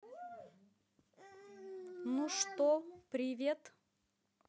ну что привет